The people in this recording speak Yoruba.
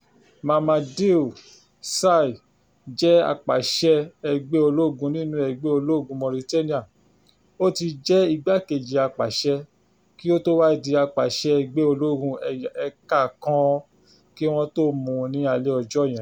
Mamadou Sy jẹ́ apàṣẹ ẹgbẹ́-ológun nínú ẹgbẹ́ ológun Mauritania, ó ti jẹ́ igbákejì apàṣẹ, kí ó tó wá di apàṣẹ ẹgbẹ́ ológun ẹ̀ka kan kí wọ́n tó mú un ní alẹ́ ọjọ́ yẹn.